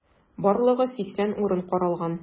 Барлыгы 80 урын каралган.